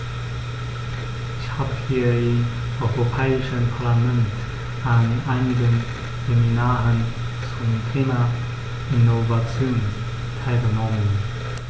Ich habe hier im Europäischen Parlament an einigen Seminaren zum Thema "Innovation" teilgenommen.